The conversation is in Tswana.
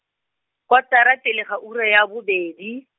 kotara pele ga ura ya bobedi.